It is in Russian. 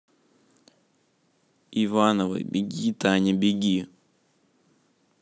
ивановы беги таня беги